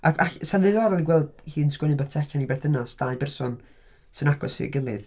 A 'll- 'sa'n ddiddorol ei gweld hi'n sgwennu rywbeth tu allan i berthynas dau berson sy'n agos i'w gilydd.